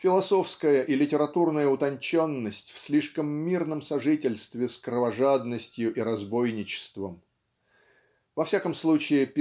философская и литературная утонченность в слишком мирном сожительстве с кровожадностью и разбойничеством. Во всяком случае